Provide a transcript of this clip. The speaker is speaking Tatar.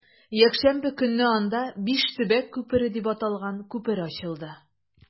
Якшәмбе көнне анда “Биш төбәк күпере” дип аталган күпер ачылды.